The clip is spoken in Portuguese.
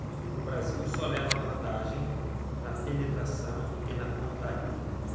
o brasil só leva vantagem na penetração e na pontaria